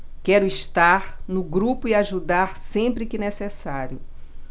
quero estar no grupo e ajudar sempre que necessário